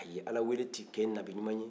ayi ala wele t'i kɛ nabiɲuman ye